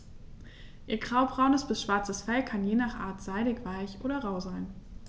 Ihr graubraunes bis schwarzes Fell kann je nach Art seidig-weich oder rau sein.